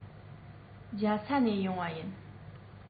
རྒྱ ཚ ནས ཡོང བ ཡིན